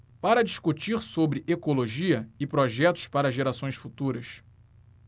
para discutir sobre ecologia e projetos para gerações futuras